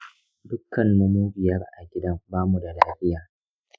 dukkanmu mu biyar a gidan bamu da lafiya.